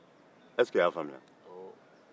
i y'a faamu wa